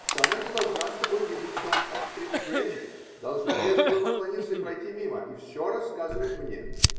Что она не должна с тобой видеться, а при встрече должна вежливо поклониться и пройти мимо и все рассказывать мне.